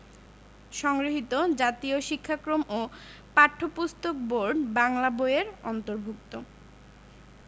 সংগৃহীত জাতীয় শিক্ষাক্রম ও পাঠ্যপুস্তক বোর্ড বাংলা বই এর অন্তর্ভুক্ত